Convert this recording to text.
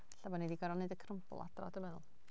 Ella bod ni 'di gorfod wneud y crumble adre dwi'n meddwl.